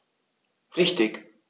Richtig